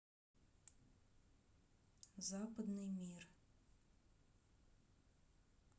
западный мир